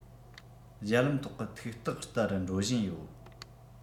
རྒྱ ལམ ཐོག གི ཐིག རྟགས ལྟར འགྲོ བཞིན ཡོད